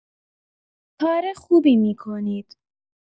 کار خوبی می‌کنید